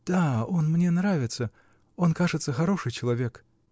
-- Да, он мне нравится; он, кажется, хороший человек.